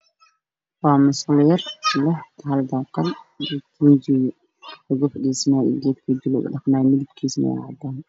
Waa musqul yar oo leh daaqad iyo tuujiga lugu fariisanaayay iyo kan waji dhaqa midabkiisu waa cadaan.